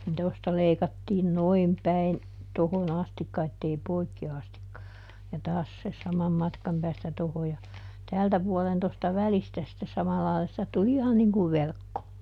niin tuosta leikattiin noin päin tuohon asti että ei poikki asti ja taas se saman matkan päästä tuohon ja täältä puolen tuosta välistä sitten samalla lailla sitä tuli ihan niin kuin verkko